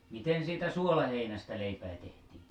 miten siitä suolaheinästä leipää tehtiin